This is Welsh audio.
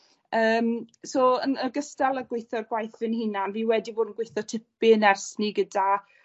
Yym so yn ogystal â gweitho ar gwaith fy hunan fi wedi bod yn gweitho tipyn ers 'ny gyda